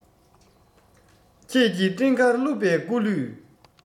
ཁྱེད ཀྱི སྤྲིན དཀར བཀླུབས པའི སྐུ ལུས